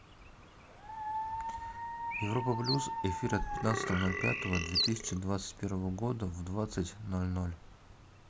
европа плюс эфир от пятнадцатого ноль пятого две тысячи двадцать первого года в двадцать ноль ноль